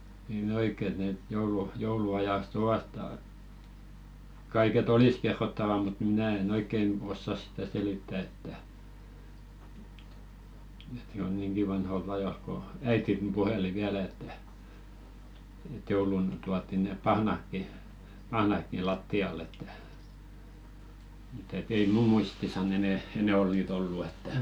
niin oikein että ne - jouluajasta ovat - kaiketi olisi kerrottavaa mutta minä en oikein osaa sitä selittää että että jo niinkin vanhoilta ajoilta kun äitini puheli vielä että että jouluna tuotiin ne pahnatkin pahnatkin lattialle että mutta että ei minun muistissani enää enää ole niitä ollut että